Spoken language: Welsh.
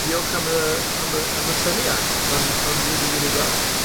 Diolch am y am y am y syniad. Ma'n, ma'n rili rili dda.